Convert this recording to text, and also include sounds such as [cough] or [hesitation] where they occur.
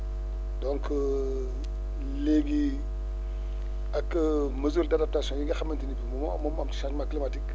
donc [hesitation] léegi ak mesure d' adaptation yi nga xamante ni bii moom moo am ci changement clmatique